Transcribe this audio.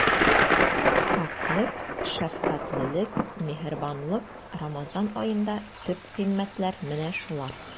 Пакьлек, шәфкатьлелек, миһербанлык— Рамазан аенда төп кыйммәтләр менә шулар.